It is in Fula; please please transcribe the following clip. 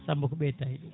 Samba ko ɓeydata e ɗum